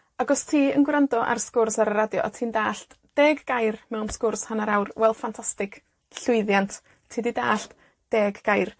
Ag os ti yn gwrando ar sgwrs ar y radio, a ti'n dallt deg gair mewn sgwrs hanner awr, wel, ffantastig, llwyddiant. Ti 'di dallt deg gair.